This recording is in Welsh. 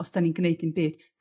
...os 'dan ni'n gneud dim byd